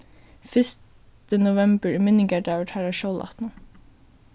fyrsti novembur er minningardagur teirra sjólátnu